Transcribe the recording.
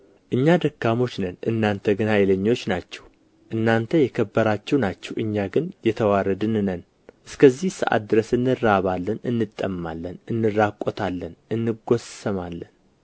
እኛ ደካሞች ነን እናንተ ግን ኃይለኞች ናችሁ እናንተ የከበራችሁ ናችሁ እኛ ግን የተዋረድን ነን እስከዚህ ሰዓት ድረስ እንራባለን እንጠማለን እንራቆታለን እንጐሰማለን